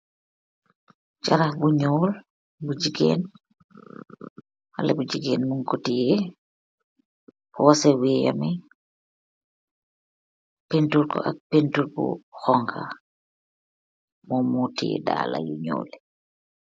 Chaarakh bu njull bu gigain, Haleh bu gigain munkoh tiyeh, porseh weiyyam yii, peintur kor ak peintur bu honha, mom mor tiyeh daalar yu njull yii.